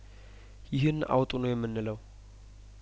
ይህን አውጡ ነው የምንለው